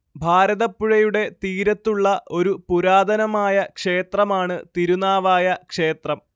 ഭാരതപ്പുഴയുടെ തീരത്തുള്ള ഒരു പുരാതനമായ ക്ഷേത്രമാണ് തിരുനാവായ ക്ഷേത്രം